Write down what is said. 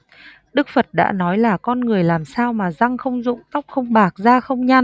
đức phật đã nói là con người làm sao mà răng không rụng tóc không bạc da không nhăn